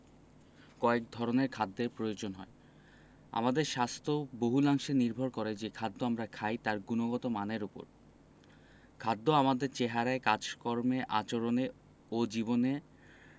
কয়েক ধরনের খাদ্যের প্রয়োজন হয় আমাদের স্বাস্থ্য বহুলাংশে নির্ভর করে যে খাদ্য আমরা খাই তার গুণগত মানের ওপর খাদ্য আমাদের চেহারায় কাজকর্মে আচরণে ও জীবনে